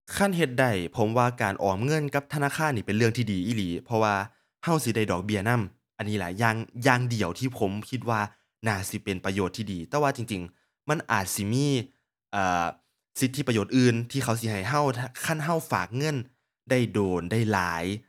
คันเฮ็ดได้ ผมว่าการออมเงินกับธนาคารนี่เป็นเรื่องที่ดีอีหลี เพราะว่าเราสิได้ดอกเบี้ยนำ อันนี้ล่ะอย่าง อย่างเดียวที่ผมคิดน่าสิเป็นประโยชน์ที่ดี แต่ว่าจริงจริงมันอาจสิมี เอ่อ สิทธิประโยชน์อื่นที่เขาสิให้เรา คันเราฝากเงินได้โดน ได้หลาย